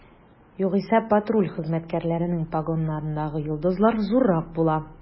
Югыйсә, патруль хезмәткәрләренең погоннарындагы йолдызлар зуррак була.